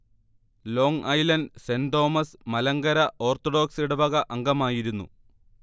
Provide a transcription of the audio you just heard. long Island Saint Thomas Malankara Orthodox ഇടവക അംഗമായിരുന്നു